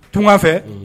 Tunga fɛ, unhun.